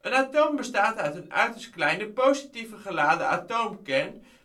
atoom bestaat uit een uiterst kleine, positief geladen atoomkern